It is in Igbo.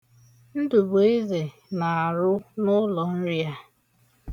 Ndụbụeze na-arụ n'ụlọnri a